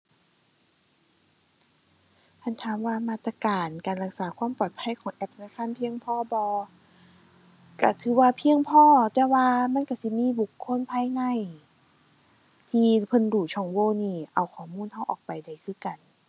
คันถามว่ามาตรการการรักษาความปลอดภัยของแอปธนาคารเพียงพอบ่ ก็ถือว่าเพียงพอ แต่ว่ามันก็สิมีบุคคลภายใน ที่เพิ่นรู้ช่องโหว่นี้ เอาข้อมูลก็ออกไปได้คือกัน